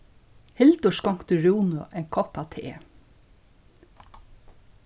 hildur skonkti rúnu ein kopp av te